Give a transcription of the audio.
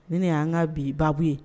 Ni ne an ka bi baabu ye.